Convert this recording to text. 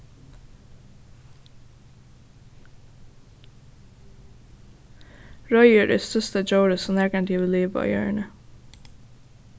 royður er størsta djórið sum nakrantíð hevur livað á jørðini